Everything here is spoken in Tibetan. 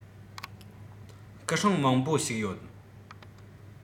སྐུ སྲུང མང པོ ཞིག ཡོད